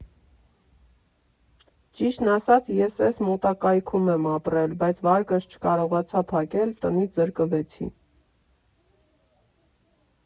Ճիշտն ասած, ես էս մոտակայքում եմ ապրել, բայց վարկս չկարողացա փակել, տնից զրկվեցի։